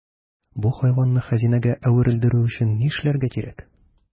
Бу хайванны хәзинәгә әверелдерү өчен ни эшләргә кирәк?